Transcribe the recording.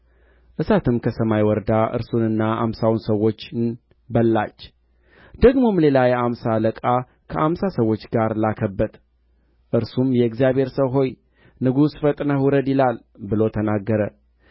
እርሱም የእግዚአብሔር ሰው ሆይ ንጉሡ ውረድ ይልሃል አለው ኤልያስም መልሶ የአምሳ አለቃውን እኔስ የእግዚአብሔር ሰው እንደ ሆንሁ እሳት ከሰማይ ትውረድ አንተንም አምሳውንም ሰዎችህን ትብላ አለው